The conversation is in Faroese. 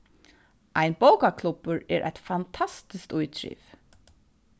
ein bókaklubbur er eitt fantastiskt ítriv